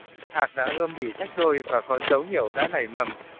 hạt đã ươm bị tách đôi và có dấu hiệu đã nảy mầm